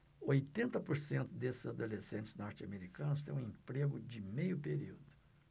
oitenta por cento desses adolescentes norte-americanos têm um emprego de meio período